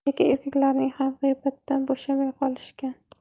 lekin erkaklar ham g'iybatdan bo'shamay qolishgan